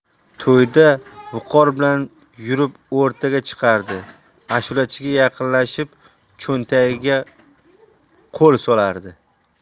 to'yda viqor bilan yurib o'rtaga chiqardi ashulachiga yaqinlashib cho'ntagiga qo'l solardi